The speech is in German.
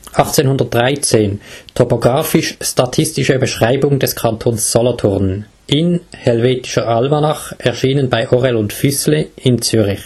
1813 „ Topographisch-statistische Beschreibung des Kantons Solothurn. “In: Helvetischer Almanach, erschienen bei Orell und Füssli in Zürich